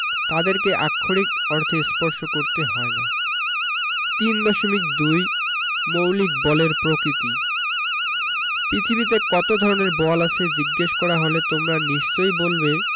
তাদেরকে আক্ষরিক অর্থে স্পর্শ করতে হয় না ৩.২ মৌলিক বলের প্রকৃতিঃ পৃথিবীতে কত ধরনের বল আছে জিজ্ঞেস করা হলে তোমরা নিশ্চয়ই বলবে